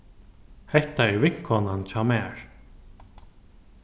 hetta er vinkonan hjá mær